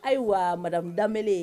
Ayiwada